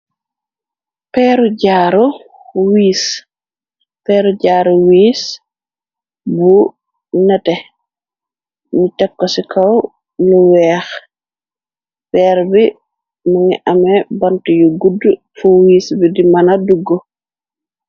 peeru jaaru wiis bu nate ni tekko ci kaw lu weex feer bi ma ngi ame bant yu gudd fu wiis bi di mëna dugg